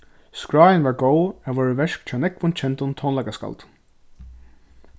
skráin var góð har vóru verk hjá nógvum kendum tónleikaskaldum